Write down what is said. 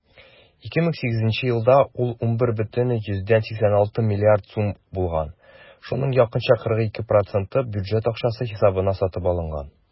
2008 елда ул 11,86 млрд. сум булган, шуның якынча 42 % бюджет акчасы хисабына сатып алынган.